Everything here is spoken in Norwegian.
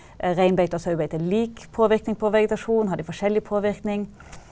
er reinbeite og sauebeite lik påvirkning på vegetasjonen, har de forskjellig påvirkning?